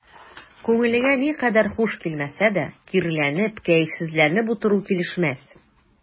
Күңелеңә нәрсәдер хуш килмәсә дә, киреләнеп, кәефсезләнеп утыру килешмәс.